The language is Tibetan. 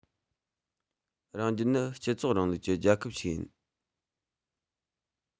རང རྒྱལ ནི སྤྱི ཚོགས རིང ལུགས ཀྱི རྒྱལ ཁབ ཞིག ཡིན